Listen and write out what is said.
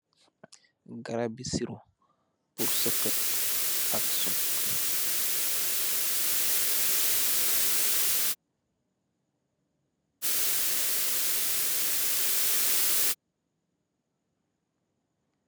Garabi siroh, pur seukheut, ak soch.